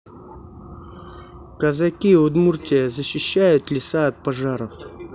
казаки удмуртия защищают леса от пожаров